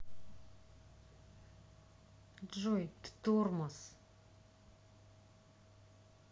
джой ты тормоз